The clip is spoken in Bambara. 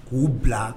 K'u bila